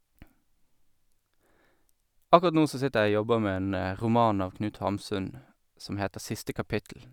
Akkurat nå så sitter jeg og jobber med en roman av Knut Hamsun som heter Siste Kapittel.